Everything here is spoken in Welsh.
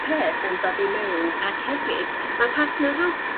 peth yn dod i mewn ac hefyd ma' partnar n'w